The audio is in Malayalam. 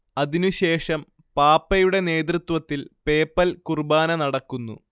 അതിനുശേഷം പാപ്പയുടെ നേതൃത്വത്തിൽ പേപ്പൽ കുർബാന നടക്കുന്നു